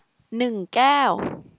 หนึ่งแก้ว